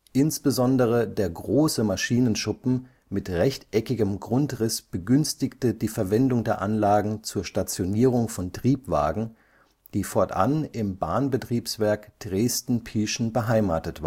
Insbesondere der große Maschinenschuppen mit rechteckigem Grundriss begünstigte die Verwendung der Anlagen zur Stationierung von Triebwagen, die fortan im Bahnbetriebswerk Dresden-Pieschen beheimatet